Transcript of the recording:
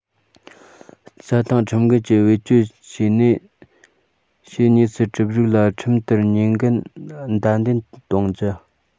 རྩྭ ཐང ཁྲིམས འགལ གྱིས བེད སྤྱོད བྱས ནས བྱས ཉེས སུ གྲུབ རིགས ལ ཁྲིམས ལྟར ཉེས འགན བདའ འདེད གཏོང རྒྱུ